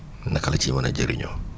naka la ciy mën a jëriñoo